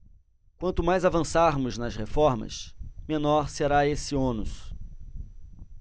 quanto mais avançarmos nas reformas menor será esse ônus